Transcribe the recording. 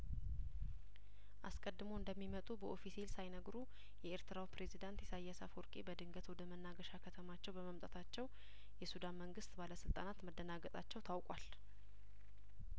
አስቀድሞ እንደሚመጡ በኦፊሴል ሳይነግሩ የኤርትራው ፕሬዝዳንት ኢሳያስ አፈወርቂ በድንገት ወደ መናገሻ ከተማቸው በመምጣታቸው የሱዳን መንግስት ባለስልጣናት መደናገጣቸው ታውቋል